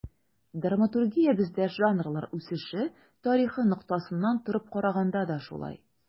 Драматургиябездә жанрлар үсеше тарихы ноктасынан торып караганда да шулай.